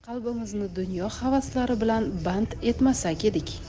qalbimizni dunyo havaslari bilan band etmasak edik